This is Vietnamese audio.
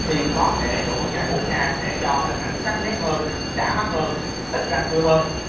thì có thể độ phân giải k sẽ cho hình ảnh sắc nét hơn đã mắt hơn ít răng cưa hơn